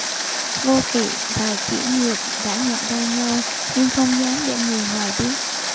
vô kỵ và chỉ nhược đã nhận ra nhau nhưng không dám để người ngoài biết